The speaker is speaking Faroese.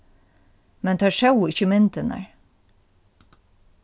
men teir sóu ikki myndirnar